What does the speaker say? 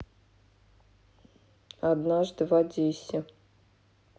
однажды в одессе